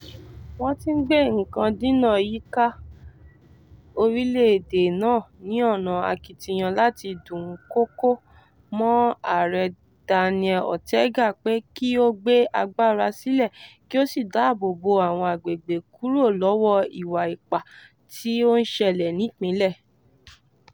Wọ́n ti ń gbé nǹkan dínà yíká orílẹ̀-èdè náà ni ọ̀nà akitiyan láti dúnkòokò mọ́ Ààrẹ Daniel Ortega pé kí ó gbé agbára sílẹ̀ kí ó sì dáàbòbo àwọn agbègbè kúrò lọ́wọ́ ìwà ipá tí ó ń ṣẹlẹ̀ ní ìpínlẹ̀.